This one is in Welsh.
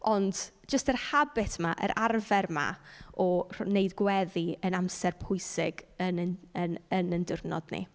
Ond jyst yr habit 'ma, yr arfer 'ma o rh- wneud gweddi yn amser pwysig yn ein yn yn ein diwrnod ni.